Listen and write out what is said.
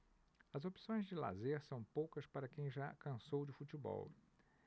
as opções de lazer são poucas para quem já cansou de futebol